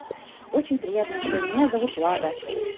очень приятно джой меня зовут лада